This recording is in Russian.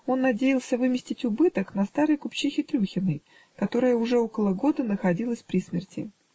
Он надеялся выместить убыток на старой купчихе Трюхиной, которая уже около года находилась при смерти.